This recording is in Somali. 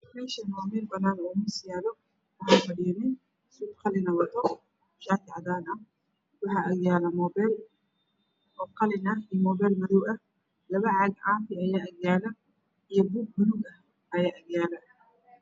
Meshan wa mel banan ah oo miia yaalo waxaa fadhiyo nin sud qalin wato shati cadaana waxa ag yaalo mopeel qalin ah mopeel madow ah lpa caag caafi ayaa agyaalo iyo puug paluug ah aya agyaalo